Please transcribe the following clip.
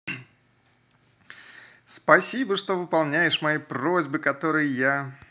спасибо что выполняешь мои просьбы которые я